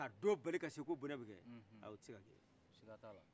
ka don bali ka se ko bɔnɛ bi kɛ ay' o tisekakɛ